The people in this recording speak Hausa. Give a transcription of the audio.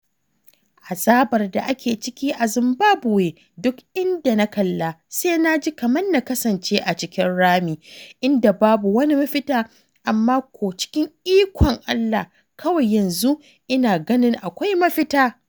Azabar da ake ciki a Zimbabwe, duk inda na kalla sai naji kaman na kasance a cikin rami inda babu wani mafita amma cikin ikon Allah kawai yanzu ina ganin akwai mafita.